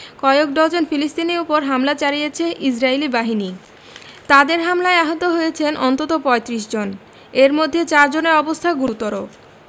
কয়েক ডজন ফিলিস্তিনির ওপর হামলা চালিয়েছে ইসরাইলি বাহিনী তাদের হামলায় আহত হয়েছেন অন্তত ৩৫ জন এর মধ্যে চার জনের অবস্থা গুরুতর